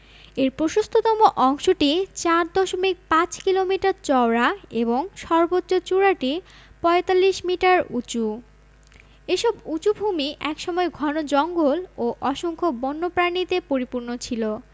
এর প্রশস্ততম অংশটি ৪ দশমিক ৫ কিলোমিটার চওড়া এবং সর্বোচ্চ চূড়াটি ৪৫ মিটার উঁচু এসব উঁচু ভূমি এক সময় ঘন জঙ্গল ও অসংখ্য বন্যপ্রাণীতে পরিপূর্ণ ছিল